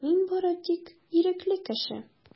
Мин бары тик ирекле кеше.